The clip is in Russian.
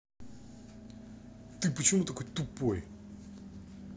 ты почему такой тупой